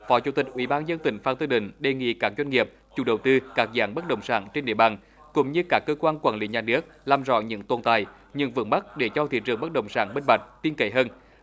phó chủ tịch ủy ban dân tỉnh phan tư đình đề nghị các doanh nghiệp chủ đầu tư các dự án bất động sản trên địa bàn cũng như các cơ quan quản lý nhà nước làm rõ những tồn tại những vướng mắc để cho thị trường bất động sản minh bạch tin cậy hơn